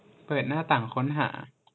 เปิดหน้าต่างค้นหา